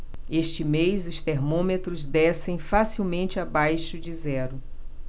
este mês os termômetros descem facilmente abaixo de zero